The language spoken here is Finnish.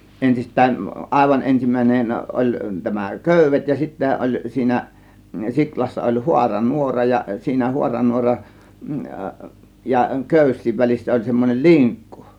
ensistään aivan ensimmäinen oli tämä köydet ja sitten oli siinä siulassa oli - haaranuora ja siinä haaranuoran ja köysien välissä oli semmoinen linkku